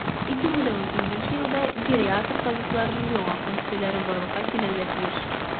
2018 елда гериатр табибларның яңа функцияләре барлыкка килергә тиеш.